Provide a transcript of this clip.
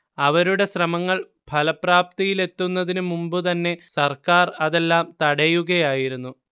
അവരുടെ ശ്രമങ്ങൾ ഫലപ്രാപ്തിയിലെത്തുന്നതിനു മുമ്പു തന്നെ സർക്കാർ അതെല്ലാം തടയുകയായിരുന്നു